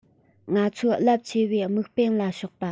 ང ཚོའི རླབས ཆེ བའི དམིགས འབེན ལ ཕྱོགས པ